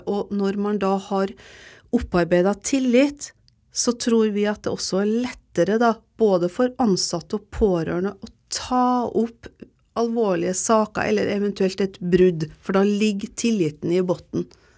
og når man da har opparbeida tillit så tror vi at det også er lettere da både for ansatte og pårørende å ta opp alvorlige saker eller eventuelt et brudd for da ligger tilliten i botn.